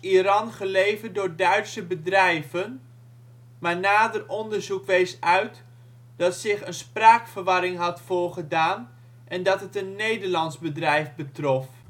Iran geleverd door Duitse bedrijven, maar nader onderzoek wees uit dat zich een spraakverwarring had voorgedaan en dat het een Nederlands bedrijf betrof) [bron?],